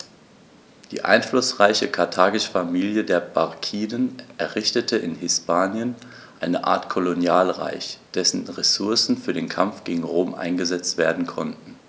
Die einflussreiche karthagische Familie der Barkiden errichtete in Hispanien eine Art Kolonialreich, dessen Ressourcen für den Kampf gegen Rom eingesetzt werden konnten.